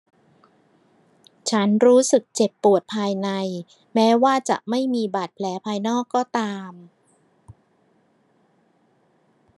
ฉันรู้สึกเจ็บปวดภายในแม้ว่าจะไม่มีบาดแผลภายนอกก็ตาม